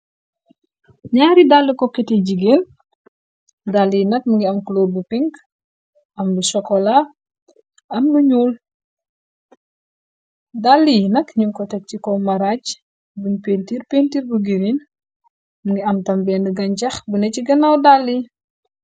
ñaari dall ko keti jigéen dall yi nag m ngi am clore bu pink am b shokola am lu ñuul dall yi nak ñun ko teg ci ko maraaj buñ péntiir pentiir bu girin mngi am tambend ganjex bune ci gënaw dàll y